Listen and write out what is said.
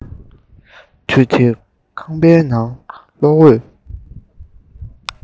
དུས དེར ཁང པའི ནང གློག འོད